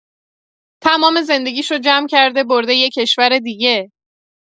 تمام زندگیشو جمع کرده برده یه کشور دیگه